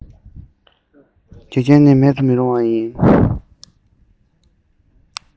དགེ རྒན ནི མེད དུ མི རུང བ ཡིན